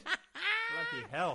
Bloody hell.